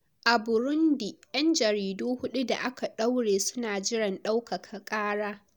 A Burundi, 'yan jaridu huɗu da aka ɗaure suna jiran ɗaukaka ƙara